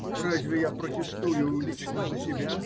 Разве я протестую лично за себя?